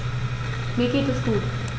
Mir geht es gut.